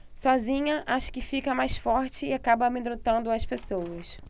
sozinha acha que fica mais forte e acaba amedrontando as pessoas